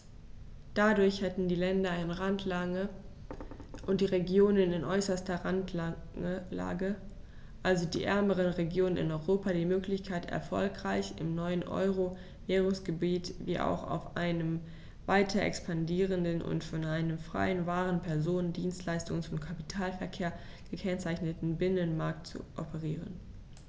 Dadurch hätten die Länder in Randlage und die Regionen in äußerster Randlage, also die ärmeren Regionen in Europa, die Möglichkeit, erfolgreich im neuen Euro-Währungsgebiet wie auch auf einem weiter expandierenden und von einem freien Waren-, Personen-, Dienstleistungs- und Kapitalverkehr gekennzeichneten Binnenmarkt zu operieren.